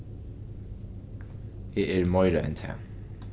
eg eri meira enn tað